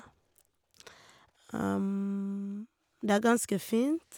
Det er ganske fint.